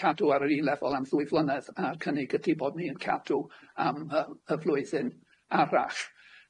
cadw ar yr un lefel am ddwy flynedd a'r cynnig ydi bod ni yn cadw am yy y flwyddyn arall.